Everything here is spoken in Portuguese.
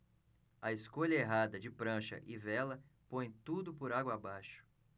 a escolha errada de prancha e vela põe tudo por água abaixo